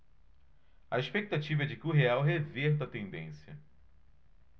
a expectativa é de que o real reverta a tendência